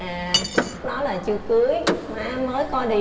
à đó là chưa cưới má mới có đi